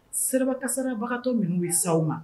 Seba kasarabagatɔ minnu ye sa aw ma